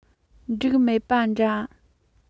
འགྲིག མེད པ འདྲ